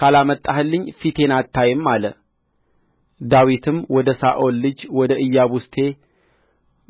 ካላመጣህልኝ ፊቴን አታይም አለ ዳዊትም ወደ ሳኦል ልጅ ወደ ኢያቡስቴ